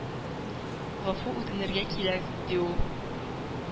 Гафу үтенергә кирәк, – ди ул.